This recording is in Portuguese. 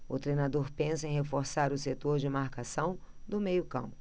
o treinador pensa em reforçar o setor de marcação do meio campo